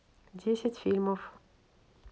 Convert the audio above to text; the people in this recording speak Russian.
десять фильмов